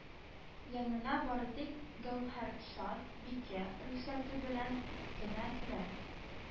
Янына бары тик гәүһәршад бикә рөхсәте белен генә керә